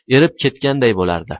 erib ketganday bo'lardi